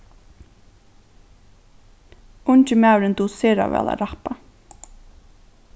ungi maðurin dugir sera væl at rappa